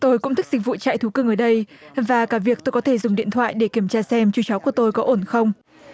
tôi cũng thích dịch vụ trại thú cưng ở đây và cả việc tôi có thể dùng điện thoại để kiểm tra xem chú chó của tôi có ổn không